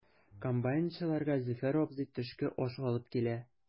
Комбайнчыларга Зөфәр абзый төшке аш алып килә.